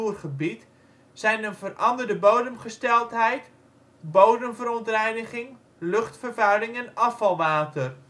Ruhrgebied zijn een veranderde bodemgesteldheid, bodemverontreiniging, luchtvervuiling en afvalwater